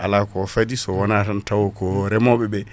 ala ko faadi sowona tan tawko reemoɓeɓe